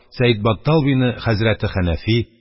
Сәедбаттал бине хәзрәти Хәнәфи,